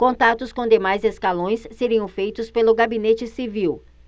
contatos com demais escalões seriam feitos pelo gabinete civil